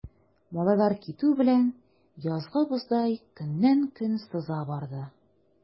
Малайлар китү белән, язгы боздай көннән-көн сыза барды.